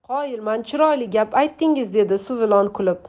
qoyilman chiroyli gap aytdingiz dedi suvilon kulib